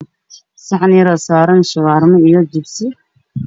Saxan yaroo saran shuweermo iyo jibsi